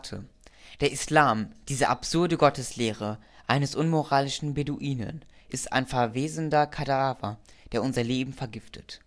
Der Islam, diese absurde Gotteslehre eines unmoralischen Beduinen, ist ein verwesender Kadaver, der unser Leben vergiftet